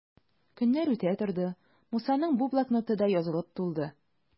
Көннәр үтә торды, Мусаның бу блокноты да язылып тулды.